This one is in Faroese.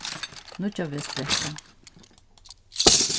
nýggjavegsbrekka